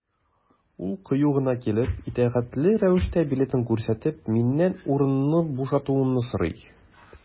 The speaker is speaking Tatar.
Ул кыю гына килеп, итәгатьле рәвештә билетын күрсәтеп, миннән урынны бушатуымны сорый.